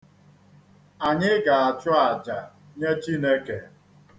Anyị ga-achụ aja nye Chineke.